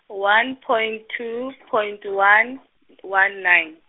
one point two point one, one nine.